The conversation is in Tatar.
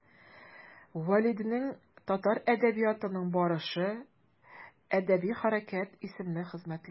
Вәлидинең «Татар әдәбиятының барышы» (1912), «Әдәби хәрәкәт» (1915) исемле хезмәтләре.